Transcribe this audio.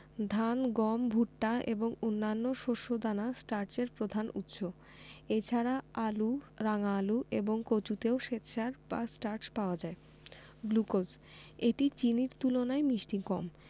ধান গম ভুট্টা এবং অন্যান্য শস্য দানা স্টার্চের প্রধান উৎস এছাড়া আলু রাঙা আলু এবং কচুতেও শ্বেতসার বা স্টার্চ পাওয়া যায় গ্লুকোজ এটি চিনির তুলনায় মিষ্টি কম